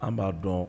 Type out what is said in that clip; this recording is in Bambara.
An b'a dɔn